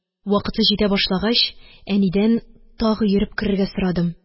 Вакыты җитә башлагач, әнидән тагы йөреп керергә сорадым